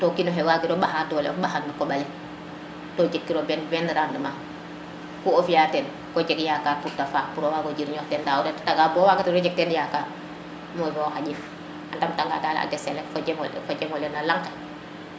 to o kino xe wagiro ɓaxa dole of ɓaxa na koɓale to jeg kiro ben rendement ku o fiya teen ko jeg yakar pour te faax pour o wago jirñox ten nda o reta tanga bo wagatiro jeg teen yakar mofi o xaƴin a ndam tanga dal desele fe no fojemole fojemole lang ke